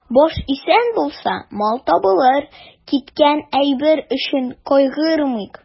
Баш исән булса, мал табылыр, киткән әйбер өчен кайгырмыйк.